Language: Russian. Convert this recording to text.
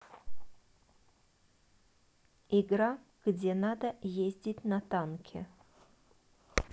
игра где надо ездить на танке